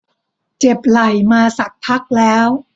เจ็บไหล่มาสักพักแล้ว